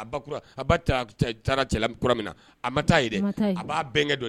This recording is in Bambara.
A taara cɛla kura min na a ma taa yɛrɛ a b'a bɛnkɛ dɔ